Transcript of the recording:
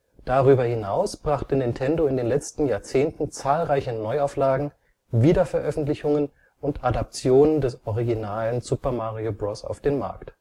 Darüber hinaus brachte Nintendo in den letzten Jahrzehnten zahlreiche Neuauflagen, Wiederveröffentlichungen und Adaptionen des originalen Super Mario Bros. auf den Markt